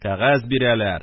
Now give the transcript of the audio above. Кәгазь бирәләр